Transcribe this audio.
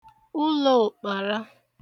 ụlōòkpàra